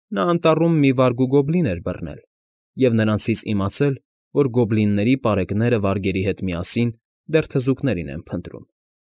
Նա անտառում մի վարգ ու գոբլին էր բռնել և նրանցից իմացել, որ գոբլինների պարեկները վարգերի հետ միասին դեռ թզուկներին են փնտրում։